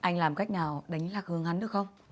anh làm cách nào đánh lạc hướng hắn được không